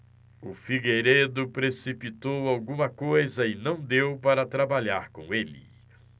o figueiredo precipitou alguma coisa e não deu para trabalhar com ele